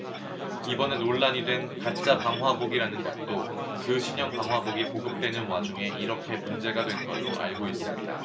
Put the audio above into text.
이번에 논란이 된 가짜 방화복이라는 것도 그 신형 방화복이 보급되는 와중에 이렇게 문제가 된 걸로 알고 있습니다